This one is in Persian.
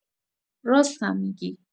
راستم می‌گی